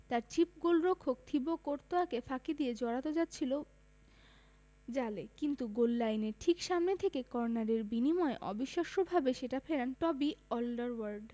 তাঁর চিপ গোলরক্ষক থিবো কর্তোয়াকে ফাঁকি দিয়ে জড়াতে যাচ্ছিল জালে কিন্তু গোললাইনের ঠিক সামনে থেকে কর্নারের বিনিময়ে অবিশ্বাস্যভাবে সেটা ফেরান টবি অলডারওয়ার্ল্ড